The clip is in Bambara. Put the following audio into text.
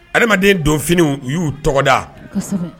Adamaden donfw y'u tɔgɔda